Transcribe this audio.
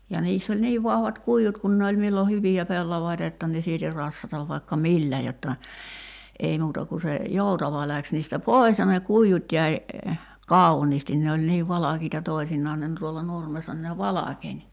ja niissä oli niin vahvat kuidut kun ne oli milloin hyviä pellavia jotta ne sieti rassata vaikka millä jotta ei muuta kuin se joutava lähti niistä pois ja ne kuidut jäi kauniisti ne oli niin valkeita toisinaan ne - tuolla nurmessa niin ne valkeni